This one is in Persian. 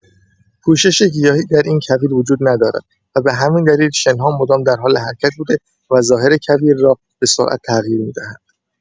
پوشش گیاهی در این کویر وجود ندارد و به همین دلیل شن‌ها مدام در حال حرکت بوده و ظاهر کویر را به‌سرعت تغییر می‌دهند.